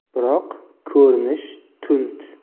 biroq ko'rinishi tund